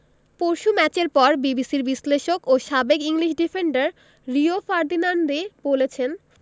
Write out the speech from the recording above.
পরশু ম্যাচের পর বিবিসির বিশ্লেষক ও সাবেক ইংলিশ ডিফেন্ডার রিও ফার্ডিনান্ডই বলেছেন